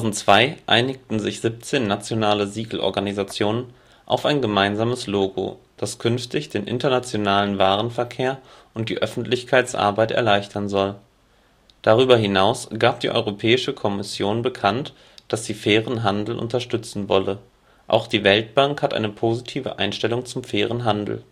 2002 einigten sich 17 nationale Siegelorganisationen auf ein gemeinsames Logo, das künftig den internationalen Warenverkehr und die Öffentlichkeitsarbeit erleichtern soll. Darüber hinaus gab die Europäische Kommission bekannt, dass sie Fairen Handel unterstützen wolle. Auch die Weltbank hat eine positive Einstellung zum Fairen Handel